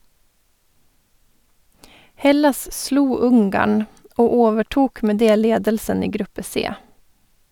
Hellas slo Ungarn, og overtok med det ledelsen i gruppe C.